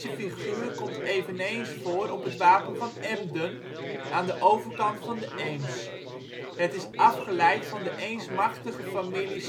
figuur komt eveneens voor op het wapen van Emden, aan de overkant van de Eems. Het is afgeleid van de eens machtige familie